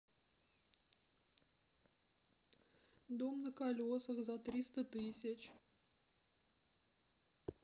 дом на колесах за триста тысяч